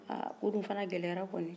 aa ko o dun fana gɛlɛyara kɔni